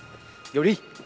vô đi